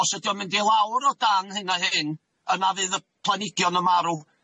Os ydi o'n mynd i lawr o dan hyn a hyn yna fydd y planhigion yn marw.